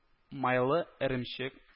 Майлы эремчек